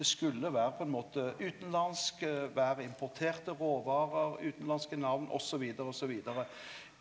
det skulle vere på ein måte utanlandsk, vere importerte råvarer, utanlandske namn, osv. og så vidare.